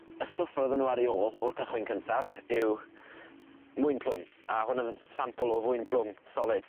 Y stwff roEddyn nw ar ei ôl o'r cychwyn cyntaf yw mwyn plwm a hwn yn s- sampl o fwyn plwm solid.